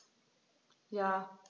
Ja.